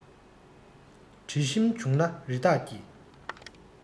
དྲི ཞིམ འབྱུང ན རི དྭགས ཀྱི